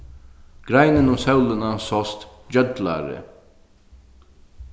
greinin um sólina sást gjøllari